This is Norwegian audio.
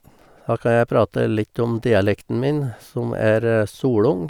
Da kan jeg prate litt om dialekten min, som er solung.